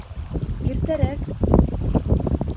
Иртәрәк!